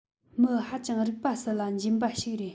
མི ཧ ཅང རིག པ གསལ ལ འཇེམ པ ཞིག རེད